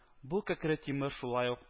Бу кәкре тимер шулай ук